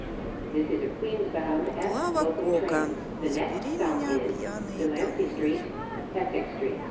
клава кока забери меня пьяный домой